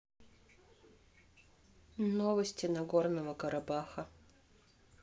новости нагорного карабаха